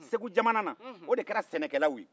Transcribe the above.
segu jamana la o de kɛra sɛnɛkɛlaw